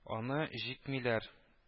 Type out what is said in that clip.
Аны җикмиләр